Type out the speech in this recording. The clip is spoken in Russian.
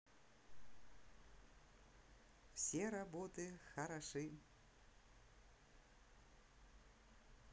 все работы хороши